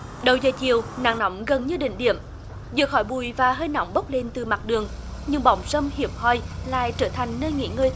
đầu giờ chiều nắng nóng gần như đỉnh điểm giữa khói bụi và hơi nóng bốc lên từ mặt đường nhưng bóng râm hiếm hoi lại trở thành nơi nghỉ ngơi